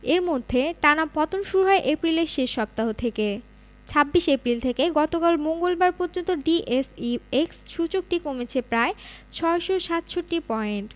এর মধ্যে টানা পতন শুরু হয় এপ্রিলের শেষ সপ্তাহ থেকে ২৬ এপ্রিল থেকে গতকাল মঙ্গলবার পর্যন্ত ডিএসইএক্স সূচকটি কমেছে প্রায় ৬৬৭ পয়েন্ট